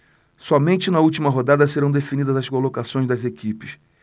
somente na última rodada serão definidas as colocações das equipes